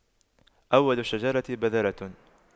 أول الشجرة بذرة